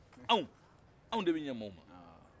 an an de bɛ ɲɛ mɔgɔw ma